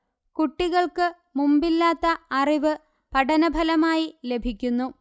കുട്ടികൾക്ക് മുമ്പില്ലാത്ത അറിവ് പഠനഫലമായി ലഭിക്കുന്നു